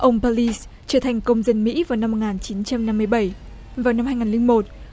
ông pa li trở thành công dân mỹ vào năm một ngàn chín trăm năm mươi bảy vào năm hai ngàn linh một